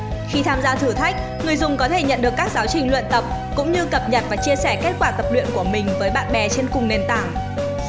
khi tham gia thử thách người dùng có thể nhận được các giáo trình luyện tập cập nhật và chia sẻ kết quả tập với bạn bè trên cùng nền tảng